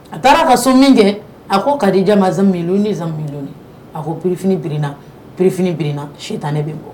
A taara a ka so min kɛ a ko ka dija ma mil ni mi a ko prif bna prifini bina si tan ne bɛ bɔ